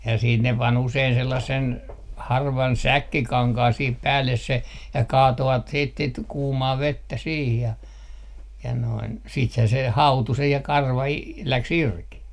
ja sitten ne pani usein sellaisen harvan säkkikankaan siihen päälle se ja kaatoivat sitten sitten kuumaa vettä siihen ja ja noin siitähän se hautui se ja karva - lähti irti